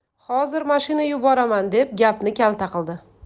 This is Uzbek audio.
hozir mashina yuboraman deb gapni kalta qildi